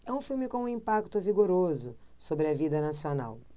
é um filme com um impacto vigoroso sobre a vida nacional